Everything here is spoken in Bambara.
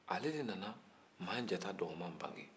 ale de nana makanjatadɔgɔman bange